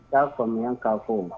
'a faamuya k'a fɔ o ma